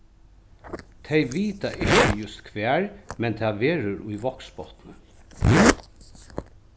tey vita ikki júst hvar men tað verður í vágsbotni